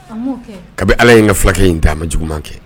Kabinibi ala ye n ka fulakɛ in d' ma juguman kɛ